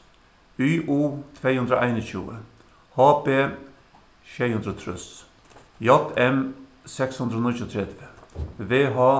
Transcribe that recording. y u tvey hundrað og einogtjúgu h b sjey hundrað og trýss j m seks hundrað og níggjuogtretivu v h